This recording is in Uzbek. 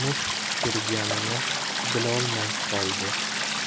musht tushirganini bilolmay qoldi